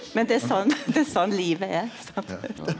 men det er sånn det er sånn livet er sant.